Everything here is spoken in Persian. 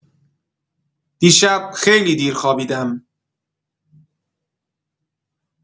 دیشب خیلی دیر خوابیدم